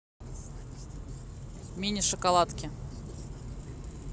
мини шоколадки